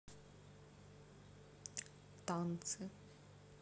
танцы